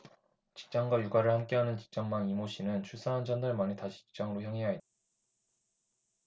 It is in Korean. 직장과 육아를 함께하는 직장맘 이모씨는 출산한지 한 달 만에 다시 직장으로 향해야 했다